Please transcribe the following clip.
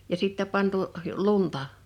ja sitten pantu lunta